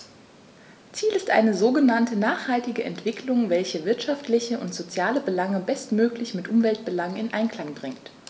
Ziel ist eine sogenannte nachhaltige Entwicklung, welche wirtschaftliche und soziale Belange bestmöglich mit Umweltbelangen in Einklang bringt.